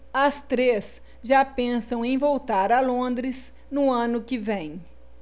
as três já pensam em voltar a londres no ano que vem